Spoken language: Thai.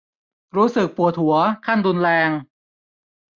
รู้สึกปวดหัวขั้นรุนแรง